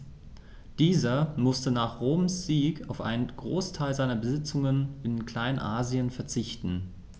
Dieser musste nach Roms Sieg auf einen Großteil seiner Besitzungen in Kleinasien verzichten.